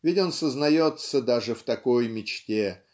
Ведь он сознается даже в такой мечте